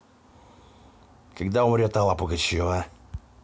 когда умрет алла пугачева